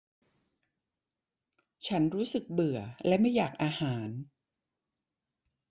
ฉันรู้สึกเบื่อและไม่อยากอาหาร